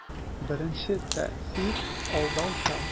Беренче тәэсир алдаучан.